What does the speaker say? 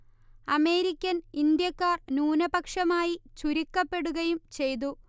American ഇന്ത്യക്കാർ ന്യൂനപക്ഷമായി ചുരുക്കപ്പെടുകയും ചെയ്തു